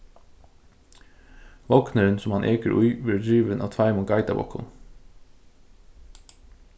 vognurin sum hann ekur í verður drivin av tveimum geitarbukkum